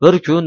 bir kun